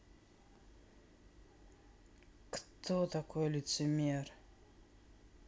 кто такой лицемер